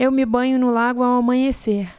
eu me banho no lago ao amanhecer